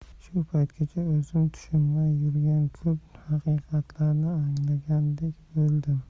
shu paytgacha o'zim tushunmay yurgan ko'p haqiqatlarni anglagandek bo'ldim